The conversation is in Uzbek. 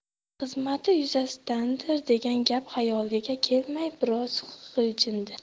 xizmati yuzasidandir degan gap xayoliga kelmay biroz g'ijindi